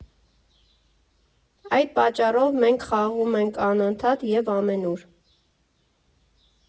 Այդ պատճառով մենք խաղում ենք անընդհատ և ամենուր։